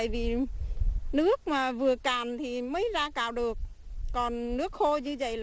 tại vì nước mà vừa cạn thì mới ra cào được còn nước khô như vậy